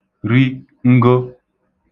ri ngo